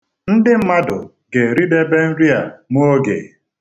Ndị mmadụ ga-eridebe nri a nwa oge.